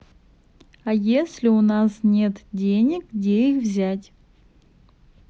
а если у нас нет денег где их взять